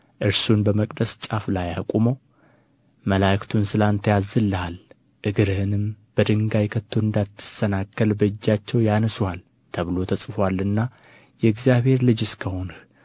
እርሱን በመቅደስ ጫፍ ላይ አቁሞ መላእክቱን ስለ አንተ ያዝልሃል እግርህንም በድንጋይ ከቶ እንዳትሰናከል በእጃቸው ያነሡሃል ተብሎ ተጽፎአልና የእግዚአብሔር ልጅስ ከሆንህ